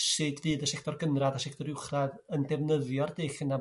sud fydd y sector gynradd a sector uwchradd yn defnyddio'r dull yna